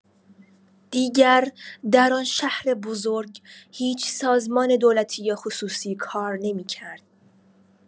دیگر در آن شهر بزرگ هیچ سازمان دولتی یا خصوصی‌ای کار نمی‌کرد.